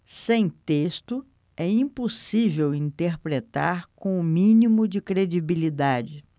sem texto é impossível interpretar com o mínimo de credibilidade